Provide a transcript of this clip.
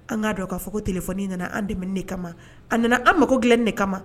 An k'a dɔn k kaa fɔ tileele-in nana an dɛmɛ de kama a nana an mago gɛlɛn de kama